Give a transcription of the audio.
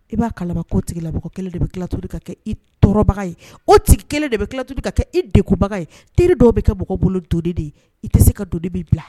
I b'a kala ko tigila kelen de bɛtu ka kɛ i tɔɔrɔbaga ye o tigi kelen de bɛtu ka kɛ i debaga ye teri dɔw bɛ kɛ bɔ bolo dondi de ye i tɛ se ka don de bɛ bila